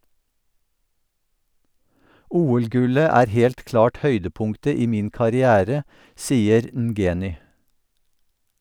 OL-gullet er helt klart høydepunktet i min karriere, sier Ngeny.